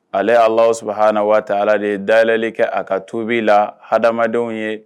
Ale Alahu sabahana wataala de ye dayɛlɛli kɛ a ka tubili la hadamadenw ye